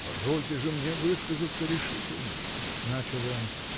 — Позвольте же мне высказаться решительно! — начал он.